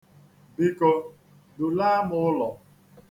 Biko, dulaa m ulo.